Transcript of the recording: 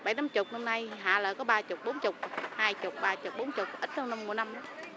mấy tám chục năm nay hạ lại có ba chục bốn chục hai chục ba chục bốn chục ít hơn mọi năm lắm